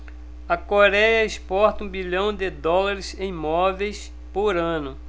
a coréia exporta um bilhão de dólares em móveis por ano